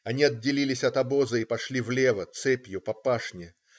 Они отделились от обоза и пошли влево, цепью по пашне.